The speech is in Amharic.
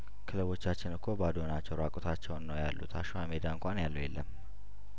ክለቦቻችን እኮ ባዶ ናቸው ራቁታቸውን ነው ያሉት አሸዋ ሜዳ እንኳን ያለው የለም